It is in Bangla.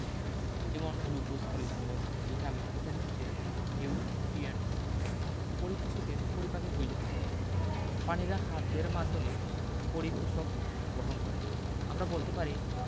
যেমন গ্লুকোজ খনিজ লবন ভিটামিন ইত্যাদি হচ্ছে নিউটিয়েন্টস পরিপোষকের পরিপাকের পয়োজন হয় না পাণীরা খাদ্যের মাধ্যমে পরিপোষক গহণ করে আমরা বলতে পারি